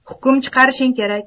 hukm chiqarishing kerak